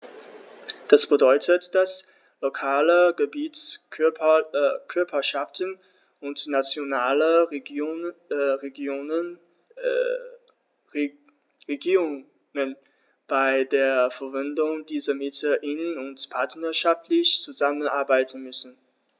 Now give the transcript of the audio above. Das bedeutet, dass lokale Gebietskörperschaften und nationale Regierungen bei der Verwendung dieser Mittel eng und partnerschaftlich zusammenarbeiten müssen.